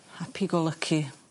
...happy go lucky.